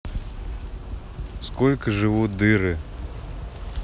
сколько живут дыры